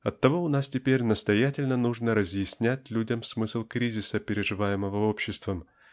Оттого и у нас теперь настоятельно нужно разъяснять людям смысл кризиса переживаемого обществом